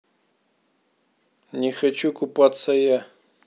не хочу купаться я